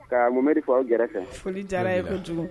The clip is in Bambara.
Ka Mohamed fo aw kɛrɛfɛ, foli diyara a ye kojugu.